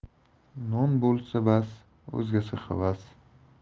non bo'lsa bas o'zgasi havas